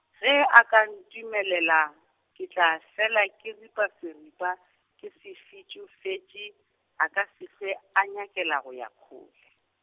ge a ka ntumelela, ke tla fela ke ripa seripa, ke se fitšofetše, a ka se hlwe a nyakela, go ya kgole.